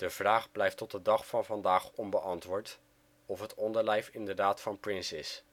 vraag blijft tot de dag van vandaag onbeantwoord of het onderlijf inderdaad van Prince is